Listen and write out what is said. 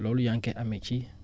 loolu yaa ngi koy amee ci